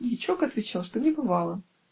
Дьячок отвечал, что не бывала.